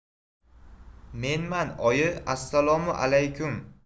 menman oyi assalomu alaykum